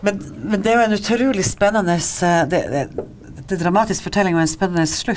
men men det er jo en utrolig spennende det det det er ei dramatisk fortelling med en spennende slutt.